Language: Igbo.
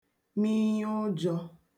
miiya ụjọ̄